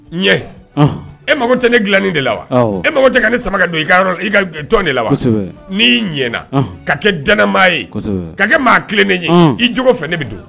Ɲ e mago tɛ ne dilain de la wa e mako tɛ ka ne saba don i i tɔn de la wa n'i ɲɛana ka kɛ dmaa ye ka kɛ maa kelen ne ye i j fɛ ne bɛ don